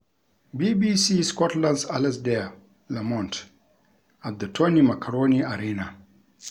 BBC Scotland's Alasdair Lamont at the Tony Macaroni Arena